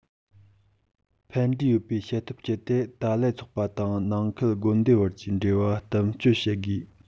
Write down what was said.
ཕན འབྲས ཡོད པའི བྱེད ཐབས སྤྱད དེ ཏཱ ལའི ཚོགས པ དང ནང ཁུལ དགོན སྡེའི བར གྱི འབྲེལ བ གཏུམ གཅོད བྱེད དགོས